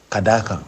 Ka d' a kan